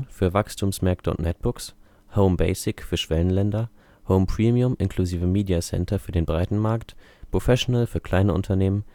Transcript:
für Wachstumsmärkte und Netbooks), Home Basic (für Schwellenländer), Home Premium (inklusive Media Center – für den breiten Markt), Professional (für kleinere Unternehmen